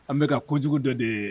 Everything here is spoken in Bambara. An bɛka ka kojugu dɔ de ye